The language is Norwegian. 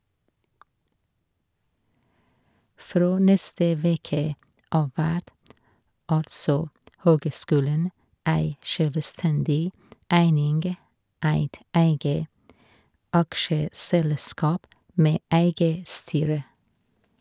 Frå neste veke av vert altså høgskulen ei sjølvstendig eining, eit eige aksjeselskap med eige styre.